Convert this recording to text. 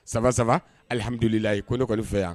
San saba alimdulilayi ko ne kɔni fɛ yan